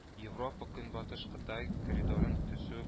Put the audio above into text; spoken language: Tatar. “европа – көнбатыш кытай” коридорын төзү